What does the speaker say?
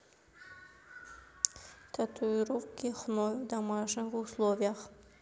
татуировки хной в домашних условиях